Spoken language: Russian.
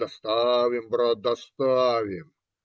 - Доставим, брат, доставим!